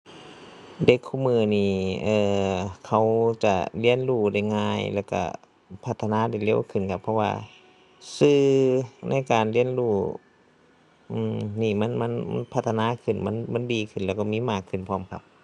เด็กคุมื้อนี้ เอ่อ เขาจะเรียนรู้ได้ง่าย แล้วก็พัฒนาได้เร็วขึ้นครับ เพราะว่าสื่อในการเรียนรู้ อืม นี่มัน มัน มันพัฒนาขึ้น มัน มันดีขึ้น แล้วก็มีมากขึ้นพร้อมครับ